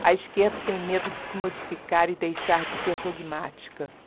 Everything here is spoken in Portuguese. a esquerda tem medo de se modificar e deixar de ser dogmática